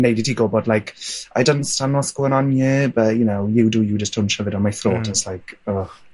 neud i ti gwbod like I don't understand what's going on here bu' you know you do you just don't shove it down my throat... Ie. ...it's like urgh